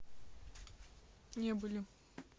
не были